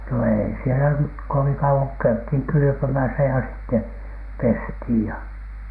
no ei siellä nyt kovin kauan kun käytiin kylpemässä ja sitten pestiin ja